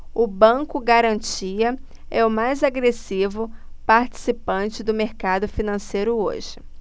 o banco garantia é o mais agressivo participante do mercado financeiro hoje